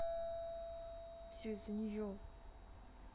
все из за нее